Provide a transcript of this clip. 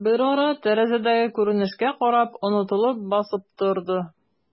Берара, тәрәзәдәге күренешкә карап, онытылып басып торды.